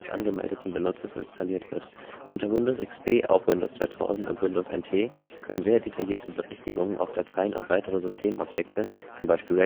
angemeldeten Benutzers installiert wird. Unter Windows XP (auch Windows 2000 und Windows NT) können sehr detaillierte Berechtigungen auf Dateien und weitere Systemobjekte (z. B.